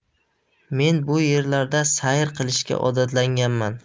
men bu yerlarda sayr qilishga odatlanganman